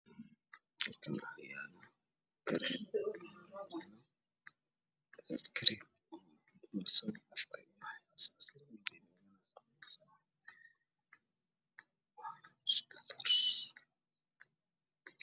Meeshan ha iga muuqata saddex caag oo ay ku jirta kareen furkooda waa bluug caadada waa cadaan waanan karaan ah